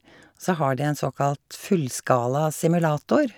Så har de en såkalt fullskala simulator.